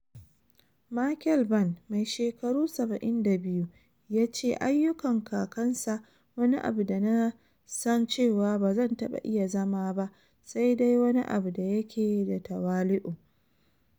Michael Vann, mai shekaru 72, ya ce ayyukan kakansa "wani abu da na san cewa ba zan taba iya zama ba sai dai wani abu da yake da tawali'u."